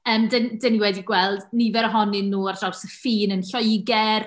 Yym dan dan ni wedi gweld nifer ohonyn nhw ar draws y ffîn yn Lloegr.